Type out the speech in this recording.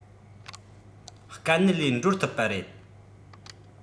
དཀའ གནད ལས སྒྲོལ ཐུབ པ རེད